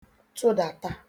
tụdàta